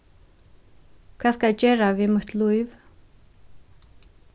hvat skal eg gera við mítt lív